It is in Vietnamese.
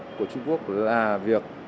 của trung quốc là việc